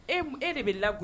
E e de bɛ lag kojugu